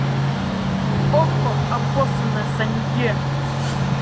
okko обоссанная санье